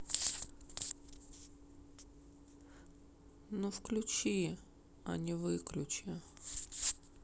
ну включи а не выключи